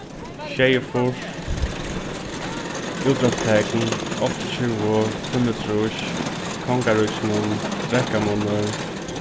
sjeyogfýrs útrópstekn áttaogtjúgu fimmogtrýss kongaríkinum drekkamunnur